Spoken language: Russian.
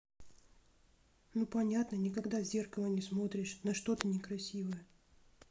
ну понятно никогда в зеркало не смотришь на что ты некрасивая